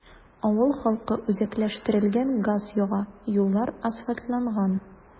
Авыл халкы үзәкләштерелгән газ яга, юллар асфальтланган.